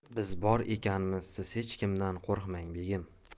biz bor ekanmiz siz hech kimdan qo'rqmang begim